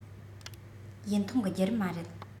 ཡུན ཐུང གི བརྒྱུད རིམ མ རེད